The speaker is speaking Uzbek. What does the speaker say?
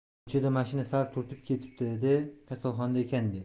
ko'chada mashina sal turtib ketibdi de kasalxonada ekan de